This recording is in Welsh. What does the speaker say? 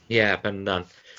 Ie, bendant.